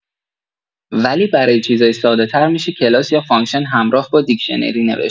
ولی برای چیزای ساده‌‌تر می‌شه کلاس یا فانکشن همراه با دیکشنری نوشت